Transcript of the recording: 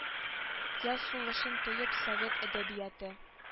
Яз сулышын тоеп совет әдәбияты